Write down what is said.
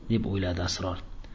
deb o'yladi sror